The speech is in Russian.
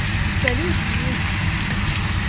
салют в